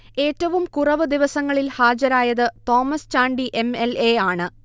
ഏറ്റവും കുറവ് ദിവസങ്ങളിൽ ഹാജരായത് Thomas Chandy M. L. A. യാണ്